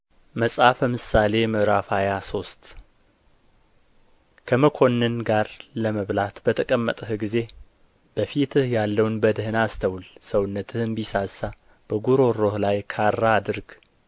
መጽሐፈ ምሳሌ ምዕራፍ ሃያ ሶስት ከመኰንን ጋር ለመብላት በተቀመጥህ ጊዜ በፊትህ ያለውን በደኅና አስተውል ሰውነትህም ቢሳሳ በጕሮሮህ ላይ ካራ አድርግ